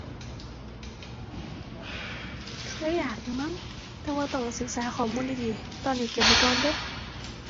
เคยอยากอยู่มั้ง แต่ว่าต้องศึกษาข้อมูลดีดี ตอนนี้เก็บไว้ก่อนเด้อ